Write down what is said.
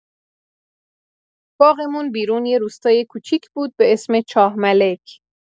باغمون بیرون یه روستای کوچیک بود به اسم چاه‌ملک.